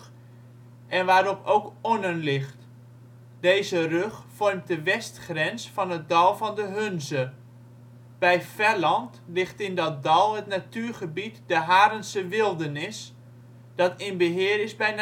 en waarop ook Onnen ligt. Deze rug vormt de westgrens van het dal van de Hunze. Bij Felland ligt in dat dal het natuurgebied de Harense Wildernis dat in beheer is bij Natuurmonumenten